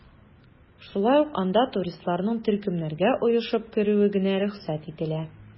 Шулай ук анда туристларның төркемнәргә оешып керүе генә рөхсәт ителә.